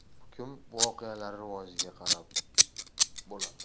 hukm voqealar rivojiga qarab bo'ladi